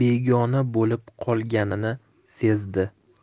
begona bo'lib qolganini sezdi